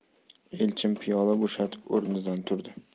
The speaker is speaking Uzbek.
elchin piyola bo'shatib o'rnidan turdi